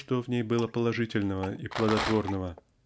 что в ней было положительного и плодотворного